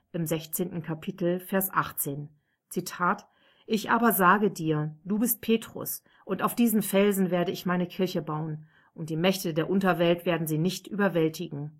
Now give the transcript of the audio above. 16,18 EU („ Ich aber sage dir: Du bist Petrus, und auf diesen Felsen werde ich meine Kirche bauen, und die Mächte der Unterwelt werden sie nicht überwältigen